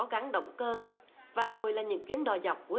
có gắn động cơ và rồi là những chuyến đò dọc